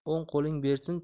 o'ng qo'ling bersin